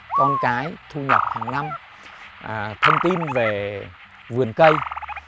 con cái thu nhập hàng năm à thông tin về vườn cây